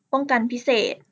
ป้องกันพิเศษ